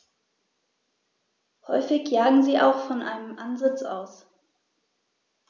Häufig jagen sie auch von einem Ansitz aus.